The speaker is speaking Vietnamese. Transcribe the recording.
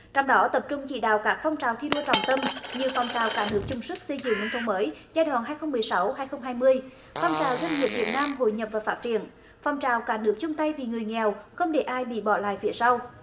trong đó tập trung chỉ đạo các phong trào thi đua trọng tâm như phong trào cả nước chung sức xây dựng nông thôn mới giai đoạn hai không mười sáu hai không hai mươi phong trào doanh nghiệp việt nam hội nhập và phát triển phong trào cả nước chung tay vì người nghèo không để ai bị bỏ lại phía sau